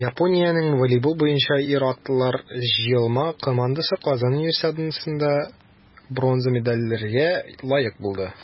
Япониянең волейбол буенча ир-атлар җыелма командасы Казан Универсиадасында бронза медальләргә лаек булды.